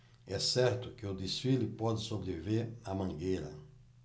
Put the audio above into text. é certo que o desfile pode sobreviver à mangueira